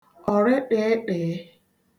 ọ̀rịtị̀ịtị̀ị